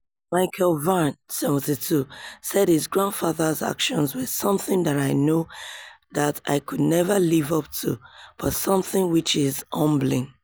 Michael Vann, 72, said his grandfather's actions were "something that I know that I could never live up to but something which is humbling."